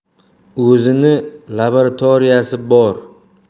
o'zini laboratoriyasi bor